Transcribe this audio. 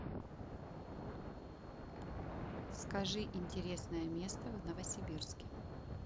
скажи интересное место в новосибирске